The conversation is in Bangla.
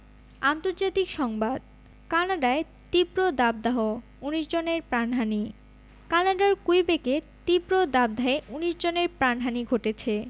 আন্তর্জাতিক সংবাদ কানাডায় তীব্র দাবদাহ ১৯ জনের প্রাণহানি কানাডার কুইবেকে তীব্র দাবদাহে ১৯ জনের প্রাণহানি ঘটেছে